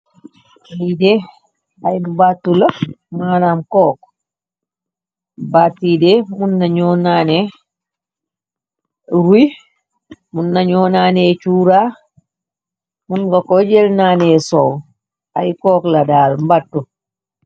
yide ay bàttu la manam kook battiide mun nañuo naane ruy mun nañu naane cuura mun nga ko jël naanee sow ay kook la daar mbàttu